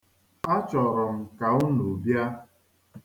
Achọrọ m ka unu bịa.